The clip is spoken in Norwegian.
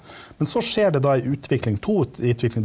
men så skjer det da ei utvikling, to utvikling.